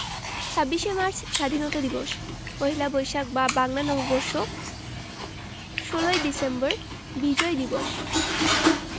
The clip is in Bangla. ২৬শে মার্চ স্বাধীনতা দিবস পহেলা বৈশাখ বা বাংলা নববর্ষ ১৬ই ডিসেম্বর বিজয় দিবস